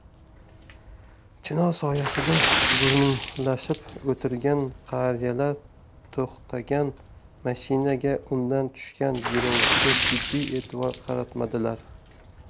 chinor soyasida gurunglashib o'tirgan qariyalar to'xtagan mashinaga undan tushgan yo'lovchiga jiddiy e'tibor qaratmadilar